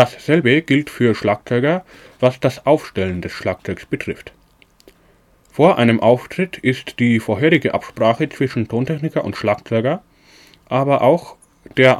Dasselbe gilt für Schlagzeuger, was das Aufstellen des Schlagzeugs betrifft. Vor einem Auftritt ist die vorherige Absprache zwischen Tontechniker und Schlagzeuger, aber auch der